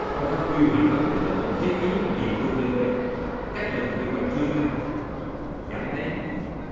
công tác quy hoạch cán bộ nữ vòng khép kín địa phương đơn vị chất lượng quy hoạch chưa cao dẫn đến